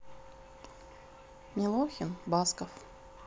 милохин басков